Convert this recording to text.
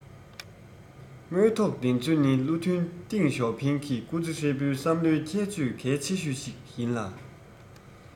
དངོས ཐོག བདེན འཚོལ ནི བློ མཐུན ཏེང ཞའོ ཕིང གི སྐུ ཚེ ཧྲིལ པོའི བསམ བློའི ཁྱད ཆོས གལ ཆེ ཤོས ཤིག ཡིན ལ